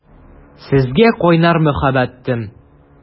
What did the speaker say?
Сезгә кайнар мәхәббәтем!